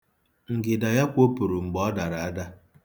Ngịda ya kwopụrụ mgbe ọ dara ada.